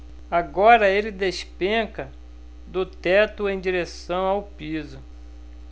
agora ele despenca do teto em direção ao piso